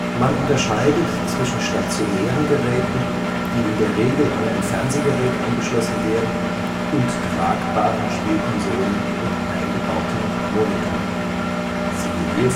Man unterscheidet zwischen stationären Geräten, die in der Regel an ein Fernsehgerät angeschlossen werden, und tragbaren Spielkonsolen mit eingebautem Monitor (siehe